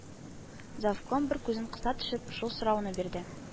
Завком, бер күзен кыса төшеп, шул сорауны бирде